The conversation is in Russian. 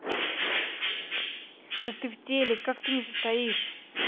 да ты в теле как ты не состоишь